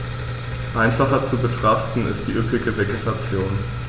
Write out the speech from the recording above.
Einfacher zu betrachten ist die üppige Vegetation.